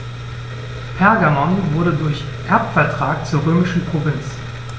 Pergamon wurde durch Erbvertrag zur römischen Provinz.